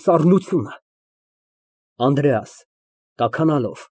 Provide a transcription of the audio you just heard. ԱՆԴՐԵԱՍ ֊ (Տաքանալով)